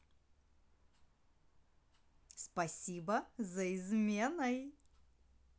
спасибо за изменой